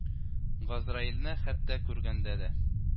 Газраилне хәтта күргәндә дә